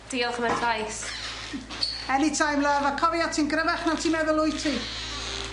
Diolch am advice. Any time love, a cofia ti'n gryfach na w't ti'n meddwl wyt ti.